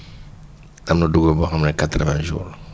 am na dugub boo xam ne quatre vingt jours